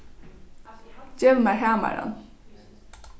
gev mær hamaran